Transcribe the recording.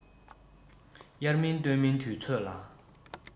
དབྱར མིན སྟོན མིན དུས ཚོད ལ